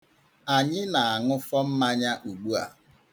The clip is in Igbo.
Anyị na-aṅụfọ mmanya ugbua.